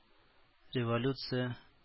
Революция